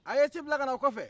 a ye ci bila ka na o kɔfɛ